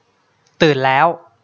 ตื่นแล้ว